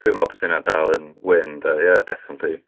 Dwi'n meddwl basai hynna dal yn win de, ie definitely.